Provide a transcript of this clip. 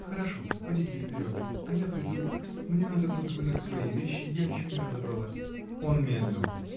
— Хорошо, подите вперед, а я приду: мне надо тут вынуть свои вещи, я еще не разобралась. Он медлил.